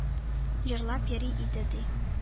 Җырлап йөри иде, ди.